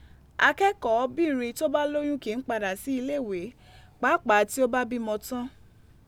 Akẹ́kọ̀ọ́bìnrin tí ó bá lóyún kì í padà sí ilé ìwé pàápàá tí ó bá bímọ tán.